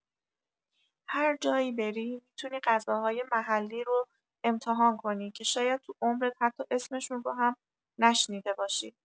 هر جایی بری، می‌تونی غذاهای محلی رو امتحان کنی که شاید تو عمرت حتی اسمشون رو هم نشنیده باشی.